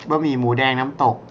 บะหมี่หมููแดงน้ำตก